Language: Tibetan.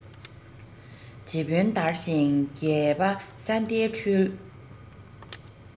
རྗེ དཔོན དར ཞིང རྒྱས པ ས སྡེའི འཕྲུལ